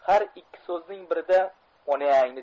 har ikki so'zning birida onangni